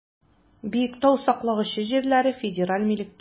Биектау саклагычы җирләре федераль милектә.